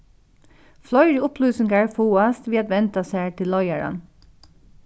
fleiri upplýsingar fáast við at venda sær til leiðaran